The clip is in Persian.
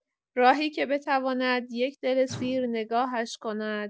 راهی که بتواند یک دل سیر نگاهش کند.